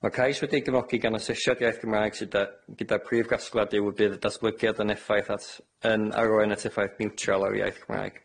Mae'r cais wedi'i gynnogi gan asesiad iaith Gymraeg sydd gyda gyda'r prif gasgliad yw y bydd y datblygiad yn effaith at- yn arwain at effaith miwtral ar iaith Cymraeg.